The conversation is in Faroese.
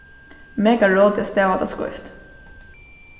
mega rotið at stava tað skeivt